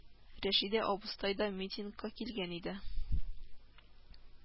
Рәшидә абыстай да митингка килгән иде